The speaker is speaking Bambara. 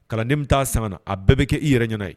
Kalanden bɛ taa san ka na,. a bɛɛ bɛ kɛ i yɛrɛ ɲɛna yen.